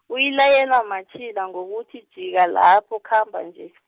uyilayelwa matjhila ngokuthi jika lapho khamba nje .